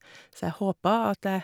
Så jeg håper at jeg...